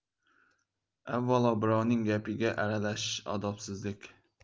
avvalo birovning gapiga aralashish odobsizlik